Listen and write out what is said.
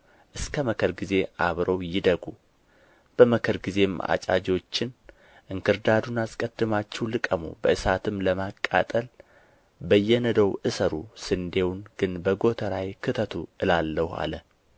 እስከ መከር ጊዜ አብረው ይደጉ በመከር ጊዜም አጫጆችን እንክርዳዱን አስቀድማችሁ ልቀሙ በእሳትም ለማቃጠል በየነዶው እሰሩ ስንዴውን ግን በጎተራዬ ክተቱ እላለሁ አለ